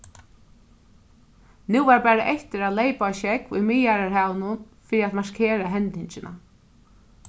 nú var bara eftir at leypa á sjógv í miðjarðarhavinum fyri at markera hendingina